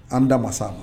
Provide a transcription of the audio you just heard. An da masa